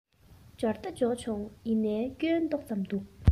འབྱོར ད འབྱོར བྱུང ཡིན ནའི སྐྱོན ཏོག ཙམ འདུག